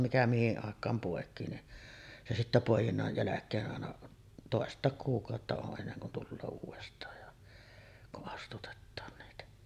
mikä mihin aikaan poikii niin se sitten poi'innan jälkeen aina toista kuukautta on ennen kuin tulee uudestaan ja kun astutetaan niitä